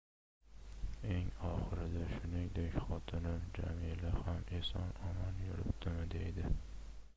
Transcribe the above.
eng oxirida shuningdek xotinim jamila ham eson omon yuribdimi deydi